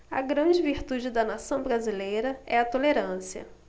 a grande virtude da nação brasileira é a tolerância